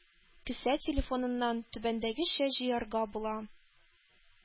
Кесә телефоныннан түбәндәгечә җыярга була: